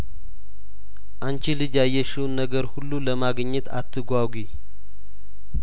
የሰርጉ አንቺ ልጅ ያየሽውን ነገር ሁሉ ለማግኘት አትጓጉ ወጥ ኩችም ተደርጐ ነው የተሰራው